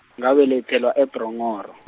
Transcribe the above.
ngabelethelwa eBronghoro .